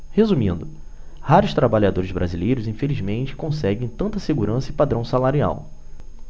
resumindo raros trabalhadores brasileiros infelizmente conseguem tanta segurança e padrão salarial